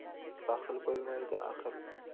baxil bo'lmaydi ahil